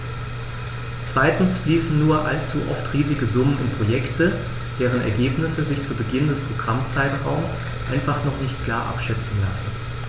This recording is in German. Zweitens fließen nur allzu oft riesige Summen in Projekte, deren Ergebnisse sich zu Beginn des Programmzeitraums einfach noch nicht klar abschätzen lassen.